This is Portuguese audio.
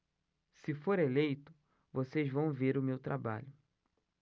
se for eleito vocês vão ver o meu trabalho